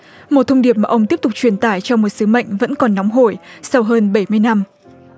một thông điệp mà ông tiếp tục truyền tải cho một sứ mệnh vẫn còn nóng hổi sau hơn bảy mươi năm